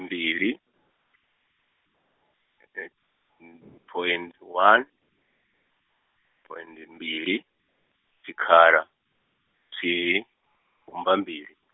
mbili, point one, point mbili, tshikhala, thihi gumba mbili.